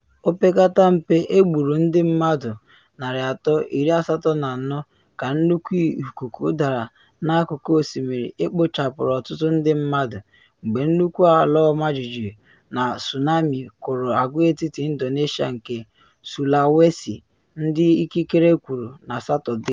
Opekata mpe egburu ndị mmadụ 384, ka nnukwu ikuku dara n’akụkụ osimiri ekpochapụrụ ọtụtụ ndị mmadụ, mgbe nnukwu ala ọmajiji na tsunami kụrụ agwaetiti Indonesia nke Sulawesi, ndị ikikere kwuru na Satọde.